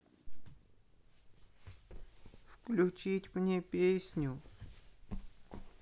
включить мне песню